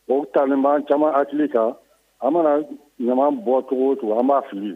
O ta caman hakili kan an mana ɲama bɔ cogo to an b'a fili